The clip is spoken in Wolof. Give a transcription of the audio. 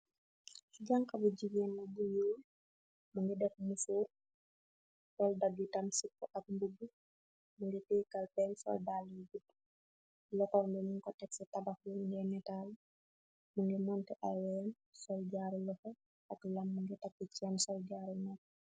Janx bu jigeen, bu jigeen, mingi def musoor, sol dagit tam sipu ak mbubu, mingi tiye kalpem, sol dalle yu gudu, loxom bi muko tak si tabax bi mingi nitalu, mingi monte ay wehem, sol jaro loxo ak lam, mingi tak ceen sol jaro nopp